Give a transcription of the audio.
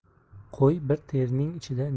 qo'y bir terming ichida